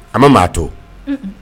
A ma maa to